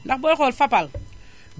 ndax booy xool Fapal